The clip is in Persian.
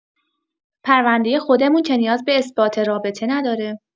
پرونده خودمون که نیاز به اثبات رابطه نداره؟